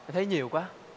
em thấy nhiều quá